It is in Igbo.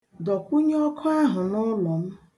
Dọkwụnye ọkụ ahụ n'ụlọ m.